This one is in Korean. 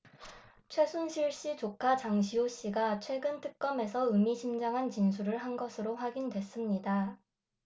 최순실 씨 조카 장시호 씨가 최근 특검에서 의미심장한 진술을 한 것으로 확인됐습니다